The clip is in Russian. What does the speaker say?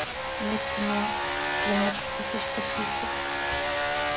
мир кино двенадцать тысяч подписчиков